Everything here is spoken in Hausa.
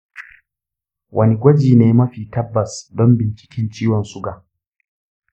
wani gwaji ne mafi tabbas don binciken ciwon suga?